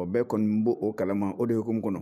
Bon bɛɛ kɔni b bɔ oo kalama o de y yek n kɔnɔ